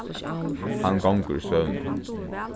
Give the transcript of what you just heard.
hann gongur í svøvni